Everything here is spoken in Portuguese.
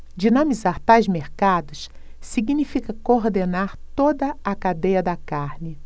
dinamizar tais mercados significa coordenar toda a cadeia da carne